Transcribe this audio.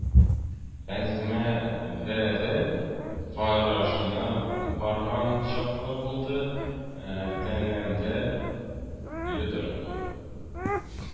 Әзмәвере карашына барган чаклар булды, тәнемдә йодрык